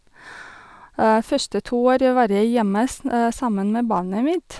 Første to år var jeg hjemme s sammen med barnet mitt.